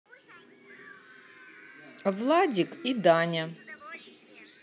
владик и даня